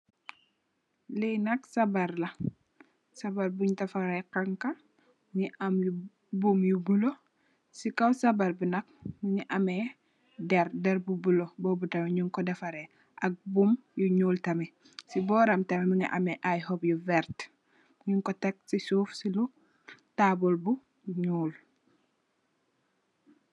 Lee nak sabarr la sabarr bun defare hanka muge am boum yu bulo se kaw sabarr be nak muge ameh derr derr bu bulo bubo tam nugku defare am boum yu nuul tamin se boram tamin muge ameh aye hopp yu verte nugku tek se suff su taable bu nuul.